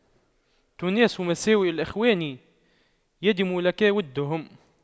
تناس مساوئ الإخوان يدم لك وُدُّهُمْ